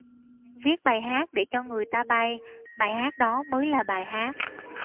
viết bài hát để cho người ta bay bài hát đó mới là bài hát